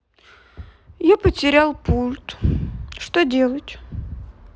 я потерял пульт что делать